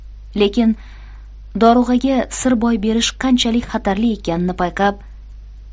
lekin dorug'aga sir boy berish qanchalik xatarli ekanini payqab